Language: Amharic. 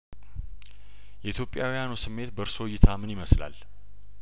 የኢትዮጵያ ውያኑ ስሜት በእርስዎ እይታምን ይመስላል